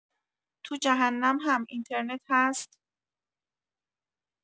تو جهنم هم اینترنت هست؟!